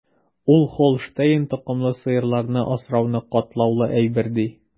Ул Һолштейн токымлы сыерларны асрауны катлаулы әйбер, ди.